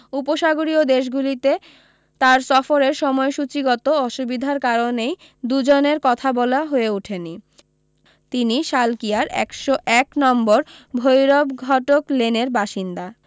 উপসাগরীয় দেশগুলিতে তাঁর সফরের সময়সূচীগত অসুবিধার কারণেই দু জনের কথা বলা হয়ে ওঠেনি তিনি শালকিয়ার একশ এক নম্বর ভৈরব ঘটক লেনের বাসিন্দা